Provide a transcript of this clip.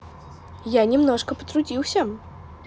я немножко потрудился